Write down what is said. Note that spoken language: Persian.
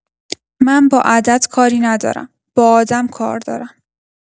من با عدد کاری ندارم، با آدم کار دارم.